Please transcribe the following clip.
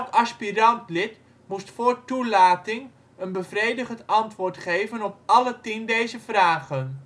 aspirant-lid moest voor toelating een bevredigend antwoord geven op alle tien deze vragen